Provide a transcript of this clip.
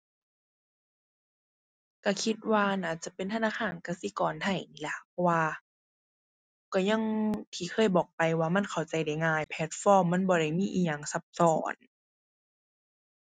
ก็คิดว่าน่าจะเป็นธนาคารกสิกรไทยนี่ล่ะ เพราะว่าก็อย่างที่เคยบอกไปว่ามันเข้าใจได้ง่าย แพลตฟอร์มมันบ่ได้มีอิหยังซับซ้อน